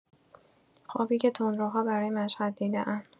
خوابی که تندروها برای مشهد دیده‌اند